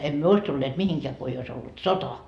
emme me olisi tulleet mihinkään kun ei olisi ollut sota